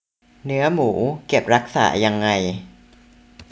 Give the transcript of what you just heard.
เนื้อหมูเก็บรักษายังไง